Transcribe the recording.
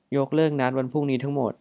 ยกเลิกนัดวันพรุ่งนี้ทั้งหมด